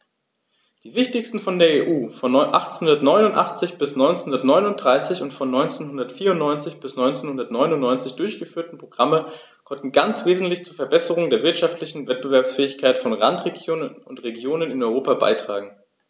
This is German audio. Die wichtigsten von der EU von 1989 bis 1993 und von 1994 bis 1999 durchgeführten Programme konnten ganz wesentlich zur Verbesserung der wirtschaftlichen Wettbewerbsfähigkeit von Randregionen und Regionen in Europa beitragen.